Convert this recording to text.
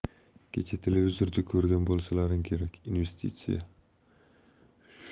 kecha televizorda ko'rgan bo'lsalaring kerak investitsiya